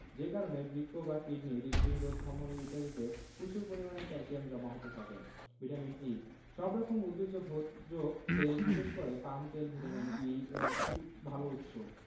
যে কারণে বৃক্ক বা কিডনি হৃৎপিণ্ড ধমনি ইত্যাদিতে প্রচুর পরিমাণে ক্যালসিয়াম জমা হতে থাকে ভিটামিন ই সব রকম উদ্ভিজ্জ ভোজ্য তেল বিশেষ করে পাম তেল ভিটামিন ই এর ভালো উৎস